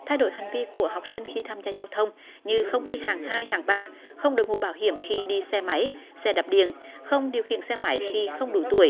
thay đổi hành vi của học sinh khi tham gia giao thông như không đi hàng hai hàng ba không đội mũ bảo hiểm khi đi xe máy xe đạp điện không điều khiển xe máy khi không đủ tuổi